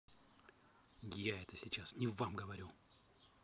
я это сейчас не вам говорю